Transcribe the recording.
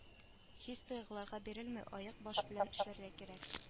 Хис-тойгыларга бирелми аек баш белән эшләргә кирәк